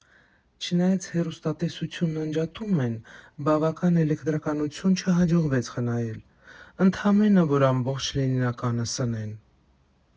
Չնայած հեռուստատեսությունն անջատում են, բավական էլեկտրականություն չհաջողվեց խնայել՝ ընդամենը, որ ամբողջ Լենինականը սնեն։